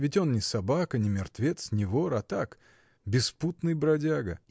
Ведь он не собака, не мертвец, не вор, а так, беспутный бродяга.